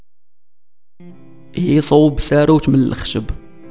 يصوب ساروت من الخشب